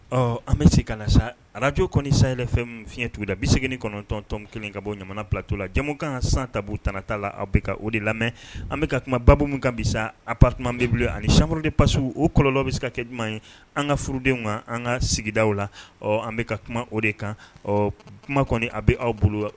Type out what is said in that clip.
Ɔ an bɛ se ka sa arajo kɔni say yɛrɛfɛn fiɲɛɲɛuguda bi segin ni kɔnɔntɔntɔn kelen ka bɔ jamana bila tu la jamukan kan san ta tta la aw bɛ ka o de lamɛn an bɛ ka kumaba minnu kan bi sa apti an bɛ bolo ani sa de pasi o kɔlɔ bɛ se ka kɛ ɲuman ye an ka furudenw kan an ka sigida la ɔ an bɛ ka kuma o de kan ɔ kuma kɔni a bɛ' bolo